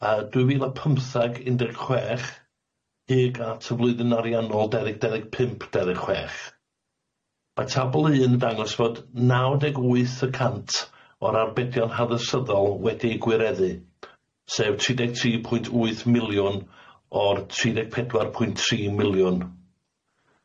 Yy dwy fil a pymthag un deg chwech ug at y flwyddyn ariannol dauddeg dauddeg pump dauddeg chwech. Ma' tabl un yn dangos fod naw deg wyth y cant o'r arbedion haddysyddol wedi'u gwireddu, sef tri deg tri pwynt wyth miliwn o'r tri deg pedwar pwynt tri miliwn.